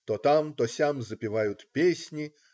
То там, то сям запевают песни.